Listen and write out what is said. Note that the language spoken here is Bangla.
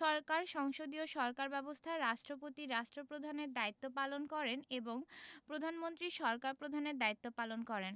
সরকারঃ সংসদীয় সরকার ব্যবস্থা রাষ্ট্রপতি রাষ্ট্রপ্রধানের দায়িত্ব পালন করেন এবং প্রধানমন্ত্রী সরকার প্রধানের দায়িত্ব পালন করেন